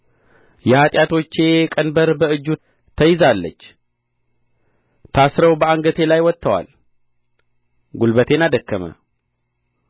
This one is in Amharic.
የኃጢአቶቼ ቀንበር በእጁ ተይዛለች ታስረው በአንገቴ ላይ ወጥተዋል ጕልበቴን አደከመ